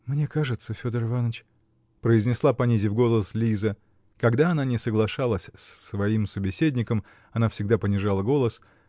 -- Мне кажется, Федор Иваныч, -- произнесла, понизив голос, Лиза (когда она не соглашалась с своим собеседником, она всегда понижала голос